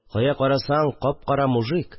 Кая карасаң, кап-кара мужик